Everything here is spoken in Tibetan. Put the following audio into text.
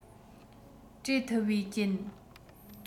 དྲས མཐུད བའི རྐྱེན